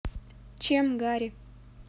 чем гари